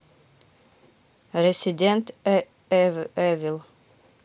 resident evil